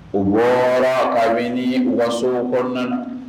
U bɔra kabini u sow kɔnɔna na.